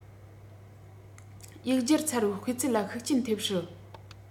ཡིག སྒྱུར ཚར བའི སྤུས ཚད ལ ཤུགས རྐྱེན ཐེབས སྲིད